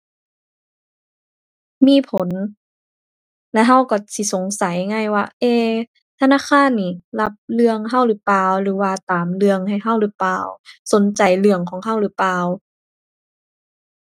มีผล และเราเราสิสงสัยไงว่า เอ๊ ธนาคารนี้รับเรื่องเราหรือเปล่าหรือว่าตามเรื่องให้เราหรือเปล่าสนใจเรื่องของเราหรือเปล่า